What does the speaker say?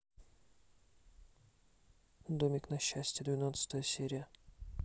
домик на счастье двенадцатая серия